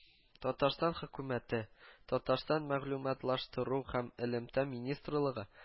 Татарстан Хөкүмәте, Татарстан Мәгълүматлаштыру һәм элемтә министрлыгы